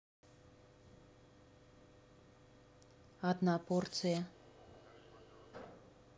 одна порция